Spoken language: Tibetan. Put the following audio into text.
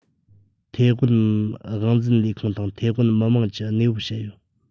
ཐའེ ཝན དབང འཛིན ལས ཁུངས དང ཐའེ ཝན མི དམངས ཀྱི གནས བབ བཤད ཡོད